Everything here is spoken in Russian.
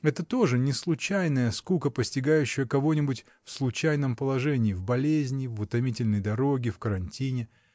Это тоже не случайная скука, постигающая кого-нибудь в случайном положении: в болезни, в утомительной дороге, в карантине